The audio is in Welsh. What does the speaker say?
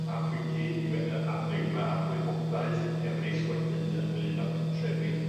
ap wici i fe- yy am ddim a'r gwybodaeth eryll wedyn yy ynglŷn a'r pentrefi